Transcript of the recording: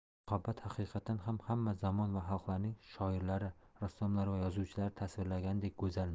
muhabbat haqiqatan ham hamma zamon va xalqlarning shoirlari rassomlari va yozuvchilari tasvirlaganidek go'zalmi